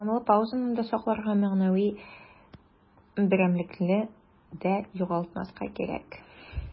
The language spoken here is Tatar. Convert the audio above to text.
Дәвамлы паузаны да сакларга, мәгънәви берәмлекне дә югалтмаска кирәк.